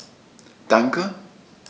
Danke.